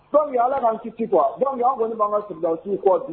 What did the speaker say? Dɔnku ala' an kisisi bɔ dɔnku y' kɔni ban ka bisimilalansiw kɔ bi